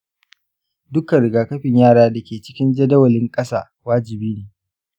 dukkan rigakafin yara da ke cikin jadawalin ƙasa wajibi ne.